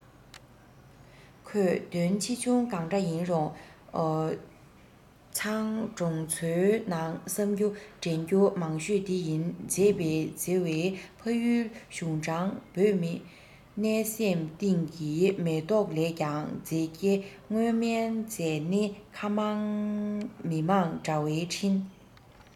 ཁོས དོན ཆེ ཆུང གང འདྲ ཡིན རུང ཚང གྲོང ཚོའི ནང བསམ རྒྱུ དྲན རྒྱུ མང ཤོས དེ ཡིན མཛེས བའི མཛེས བའི ཕ ཡུལ ཞུང དྲང བོད མི གནད སེམ ཏིང གི མེ ཏོག ལས ཀྱང མཛེས སྐྱེ དངོས རྨན རྫས སྣེ ཁ མང མི དམངས དྲ བའི འཕྲིན